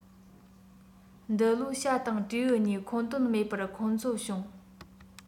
འདི ལོ བྱ དང སྤྲེའུ གཉིས འཁོན དོན མེད པར འཁོན རྩོད བྱུང